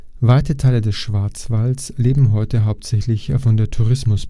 Weite Teile des Schwarzwalds leben heute hauptsächlich von der Tourismusbranche. Die